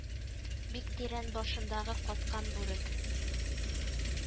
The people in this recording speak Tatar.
Бик тирән башындагы каткан бүрек